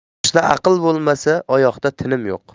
boshda aql bo'lmasa oyoqda tinim yo'q